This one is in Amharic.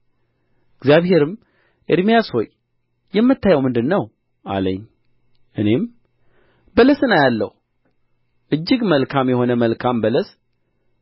እግዚአብሔርም ኤርምያስ ሆይ የምታየው ምንድር ነው አለኝ እኔም በለስን አያለሁ እጅግ መልካም የሆነ መልካም በለስ